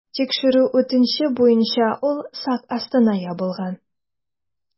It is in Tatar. Тикшерү үтенече буенча ул сак астына ябылган.